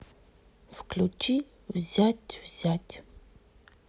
включи взять взять